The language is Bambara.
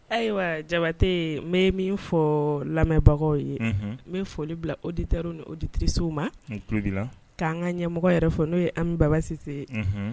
Ayiwa jabatɛ n bɛ min fɔ lamɛnbagaw ye n bɛ foli bila oditer ni oditirisow ma k'an ka ɲɛmɔgɔ yɛrɛ fɔ n'o ye an ni babasise ye